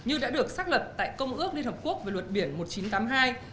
như đã được xác lập tại công ước liên hợp quốc về luật biển một chín tám hai